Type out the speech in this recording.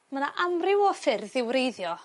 Ma' 'na amryw o ffyrdd i wreiddio